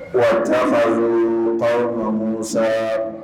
Musa